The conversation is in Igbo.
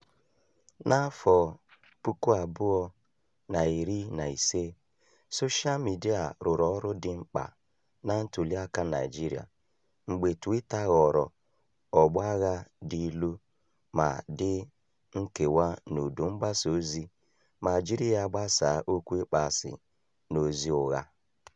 N'afọ 2015, soshaa midịa rụrụ ọrụ dị mkpa na ntụliaka Naịjirịa mgbe Twitter ghọrọ ọgbọ agha dị ilu ma dị nkewa n'udu mgbasa ozi ma jiri ya gbasaa okwu ịkpọasị na ozi ụgha.